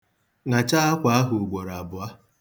Ṅachaa akwa ahụ ugboro abụọ.